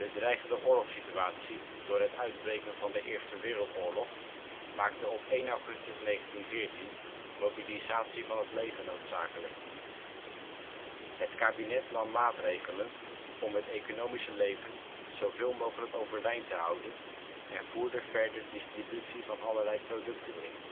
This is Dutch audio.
dreigende oorlogssituatie door het uitbreken van de Eerste Wereldoorlog maakte op 1 augustus 1914 mobilisatie van het leger noodzakelijk. Het kabinet nam maatregelen om het economische leven zoveel mogelijk overeind te houden en voerde verder distributie van allerlei producten in